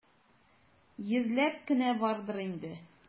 Йөзләп кенә бардыр инде.